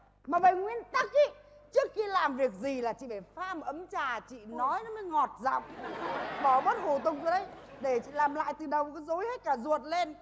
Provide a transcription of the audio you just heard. mà về nguyên tắc ấy trước khi làm việc gì là chị phải pha một ấm trà chị nói nó mới ngọt giọng bỏ bớt hủ tục ra đấy để chị làm lại từ đầu có rối hết cả ruột lên